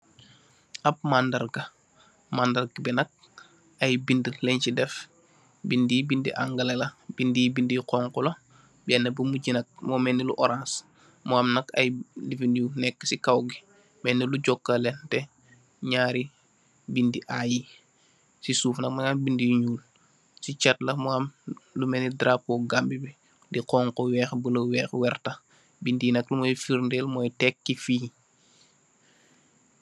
Ab mandarga, mandarga bi nak, ay bindë lañ si def, bindë yi, bindë Angale la, bindë yi bindë yu xoñxu, beenë bi mujji nak, moo melni orans,